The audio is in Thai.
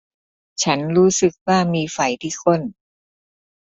ฉันรู้สึกว่ามีไฝที่ก้น